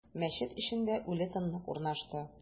Мәчет эчендә үле тынлык урнашты.